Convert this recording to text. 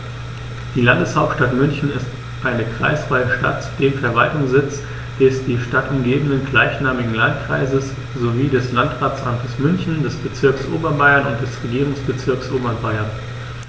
Die Landeshauptstadt München ist eine kreisfreie Stadt, zudem Verwaltungssitz des die Stadt umgebenden gleichnamigen Landkreises sowie des Landratsamtes München, des Bezirks Oberbayern und des Regierungsbezirks Oberbayern.